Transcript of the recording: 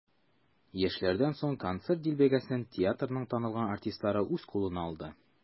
Яшьләрдән соң концерт дилбегәсен театрның танылган артистлары үз кулына алды.